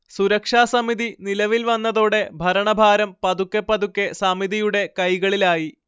സുരക്ഷാസമിതി നിലവിൽ വന്നതോടെ ഭരണഭാരം പതുക്കെപ്പതുക്കെ സമിതിയുടെ കൈകളിലായി